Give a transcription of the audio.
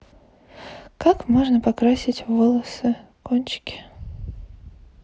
как можно покрасить волосы кончики